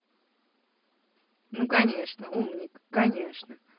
ну конечно умник конечно